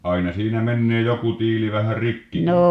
aina siinä menee joku tiili vähän rikkikin